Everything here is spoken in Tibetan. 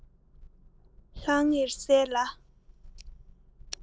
ལྷང ངེར གསལ ལ